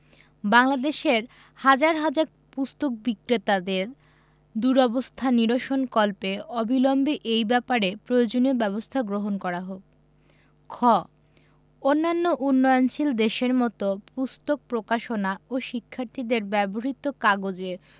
বাংলাদেশের হাজার হাজার পুস্তক বিক্রেতাদের দুরবস্থা নিরসনকল্পে অবিলম্বে এই ব্যাপারে প্রয়োজনীয় ব্যাবস্থা গ্রহণ করা হোক খ অন্যান্য উন্নয়নশীল দেশের মত পুস্তক প্রকাশনা ও শিক্ষার্থীদের ব্যবহৃত কাগজে